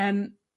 Yrm.